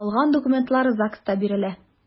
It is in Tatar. Калган документлар ЗАГСта бирелә.